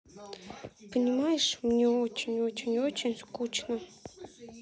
понимаешь мне очень очень очень кучно